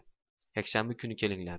yakshanba kuni kelinglar